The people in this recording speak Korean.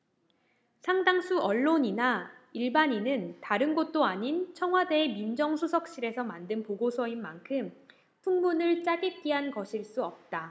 상당수 언론이나 일반인은다른 곳도 아닌 청와대의 민정수석실에서 만든 보고서인 만큼 풍문을 짜깁기한 것일 수 없다